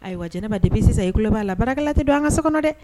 Ayiwa jɛnɛba depuis sisan i tulob' a la barakɛla tɛ don an ka so kɔnɔ dɛ!